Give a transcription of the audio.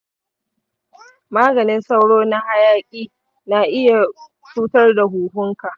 maganin sauro na hayaƙi na iya cutar da huhunka.